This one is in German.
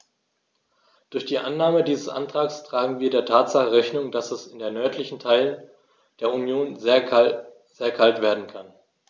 Durch die Annahme dieses Antrags tragen wir der Tatsache Rechnung, dass es in den nördlichen Teilen der Union sehr kalt werden kann.